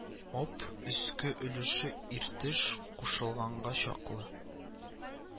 Об өске өлеше Иртеш кушылганга чаклы